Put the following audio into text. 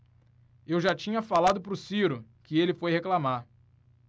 eu já tinha falado pro ciro que ele foi reclamar